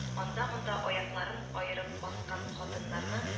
Анда-монда аякларын аерып баскан хатыннарны